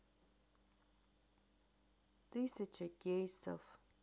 тысяча кейсов